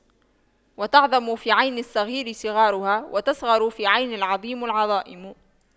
وتعظم في عين الصغير صغارها وتصغر في عين العظيم العظائم